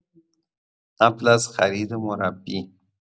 قبل از خرید مربی